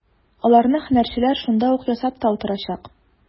Аларны һөнәрчеләр шунда ук ясап та утырачак.